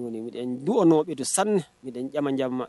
Don don sanu caman ma